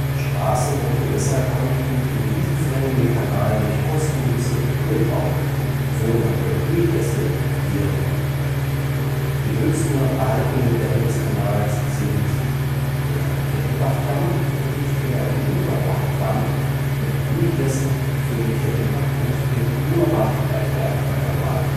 Straßen und Gewässer konnten in diesen Fällen den Kanal durch kostengünstige Tunnelbauten, sogenannte Durchlässe, queren. Die höchsten noch erhaltenen Dämme des Kanals sind der Kettenbachdamm (18,5 Meter hoch, 435 Meter lang) und der Gruberbachdamm mit Durchlässen für den Kettenbach und den Gruberbach bei Berg bei Neumarkt